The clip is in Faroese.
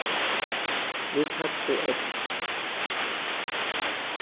vit tagdu øll